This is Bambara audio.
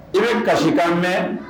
I bɛ kasi ka mɛn